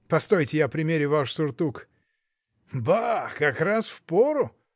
Постойте, я примерю ваш сюртук. Ба! как раз впору!